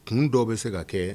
Kun dɔ bɛ se ka kɛ